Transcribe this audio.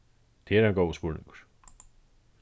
tað er ein góður spurningur